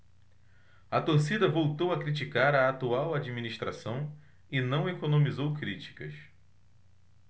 a torcida voltou a criticar a atual administração e não economizou críticas